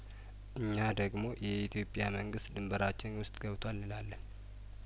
እኛ ደግሞ የኢትዮጵያ መንግስት ድንበራችን ውስጥ ገብቷል እንላለን